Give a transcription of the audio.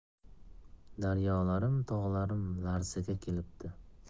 daryolarim tog'larim larzaga kelibdi